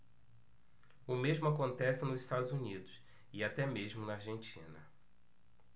o mesmo acontece nos estados unidos e até mesmo na argentina